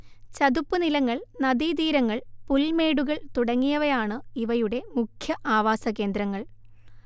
ചതുപ്പുനിലങ്ങൾ നദീതീരങ്ങൾ പുൽമേടുകൾ തുടങ്ങിയവയാണ് ഇവയുടെ മുഖ്യ ആവാസകേന്ദ്രങ്ങൾ